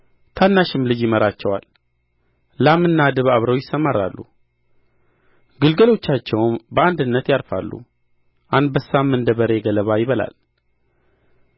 ታናሽም ልጅ ይመራቸዋል ላምና ድብ አብረው ይሰማራሉ ግልገሎቻቸውም በአንድነት ያርፋሉ አንበሳም እንደ በሬ ገለባ ይበላል